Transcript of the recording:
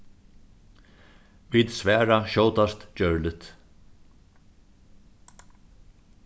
vit svara skjótast gjørligt